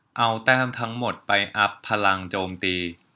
เอาแต้มทั้งหมดไปอัพพลังโจมตี